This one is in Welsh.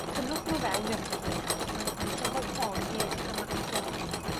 tynnwch nw fewn i'r drafodeth, mae'n mae'n cyfoethogi 'ych ymateb chi.